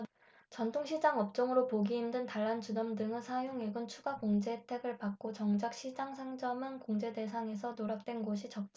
전통시장 업종으로 보기 힘든 단란주점 등의 사용액은 추가 공제 혜택을 받고 정작 시장 상점은 공제 대상에서 누락된 곳이 적지 않은 것이다